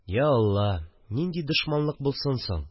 Йа алла, нинди дошманлык булсын соң